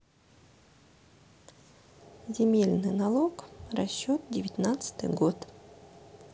земельный налог расчет девятнадцатый год